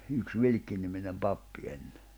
yksi Vilkki-niminen pappi ennen